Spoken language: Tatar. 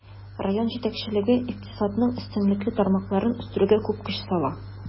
Район җитәкчелеге икътисадның өстенлекле тармакларын үстерүгә күп көч сала.